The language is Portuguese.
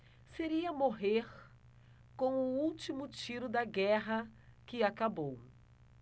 seria morrer com o último tiro da guerra que acabou